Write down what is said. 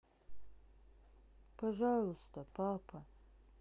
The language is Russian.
пожалуйста папа